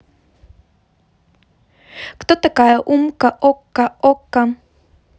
кто такая умка okko okko